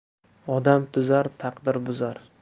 odam tuzar taqdir buzar